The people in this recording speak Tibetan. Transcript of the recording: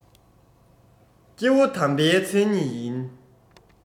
སྐྱེ བོ དམ པའི མཚན ཉིད ཡིན